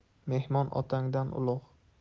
mehmon otangdan ulug'